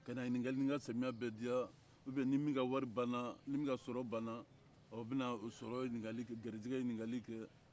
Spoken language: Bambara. ka na ɲininkali kɛ ni n ka samiɲɛ bɛ diya ubiɲɛ ni min ka wari banna ɔ o bɛ na sɔrɔ ɲininkali kɛ ka garisɛgɛ ɲininkali kɛ